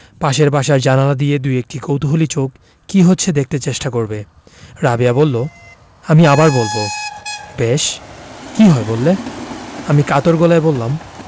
পাশের বাসার জানালা দিয়ে দুএকটি কৌতুহলী চোখ কি হচ্ছে দেখতে চেষ্টা করবে রাবেয়া বললো আমি আবার বলবো বেশ কি হয় বললে আমি কাতর গলায় বললাম